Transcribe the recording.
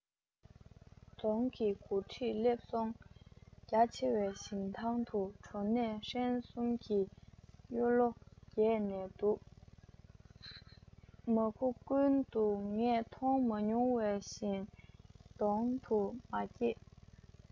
རྫོང གི མགོ ཁྲིད སླེབས འདུག རྒྱ ཆེ བའི ཞིང ཐང དུ གྲོ ནས སྲན གསུམ གྱི གཡུ ལོ རྒྱས ནས འདུག མུ ཁ ཀུན ཏུ ངས མཐོང མ མྱོང བའི ཤིང སྡོང དུ མ སྐྱེས